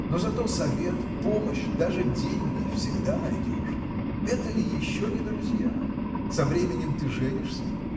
но зато совет, помощь, даже деньги – всегда найдешь. Это ли еще не друзья? Со временем ты женишься